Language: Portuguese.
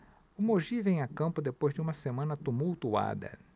o mogi vem a campo depois de uma semana tumultuada